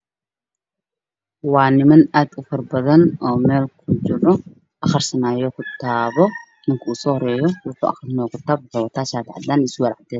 Waa niman aad u faro badan oo meel kuwada jiro oo aqrisanayo kitaab. Ninka ugu soo horeeyo waxuu aqrinaayaa kitaab waxuu wataa shaati cadeys iyo surwaal cadeys ah.